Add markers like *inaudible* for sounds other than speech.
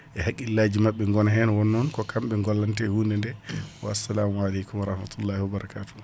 e haaguillaji mabɓe goona hen nde wonnon ko kamɓe gollante hundede *clears throat* wassalamu aleykum warahmatulay wabarakatuh